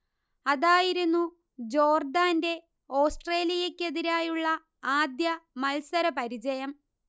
അതായിരുന്നു ജോർഡാന്റെ ഓസ്ട്രേലിയക്കെതിരായുള്ള ആദ്യ മത്സരപരിചയം